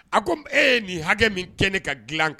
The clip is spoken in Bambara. A ko e nin hakɛ min kɛ ne ka dilan kan